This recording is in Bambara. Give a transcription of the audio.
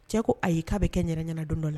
Cɛ ko ayi k'a bɛ kɛ ɲ ɲɛna don dɔ la